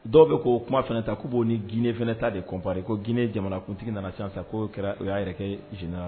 Dɔw bɛ k'o kuma fana ta k'o b'o ni Guinée fana ta de comparer ko Guinée jamanakuntigi nana sisan k'o kɛra, o y'a yɛrɛ kɛ général